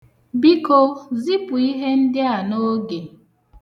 Biko, zipụ ihe ndị a n'oge.